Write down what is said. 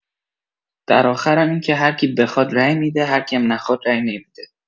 در آخرم اینکه هرکی بخواد رای می‌ده هرکیم نخواد رای نمی‌ده.